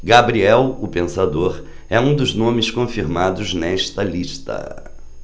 gabriel o pensador é um dos nomes confirmados nesta lista